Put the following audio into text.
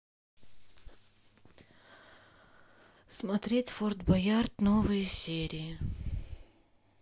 смотреть форт боярд новые серии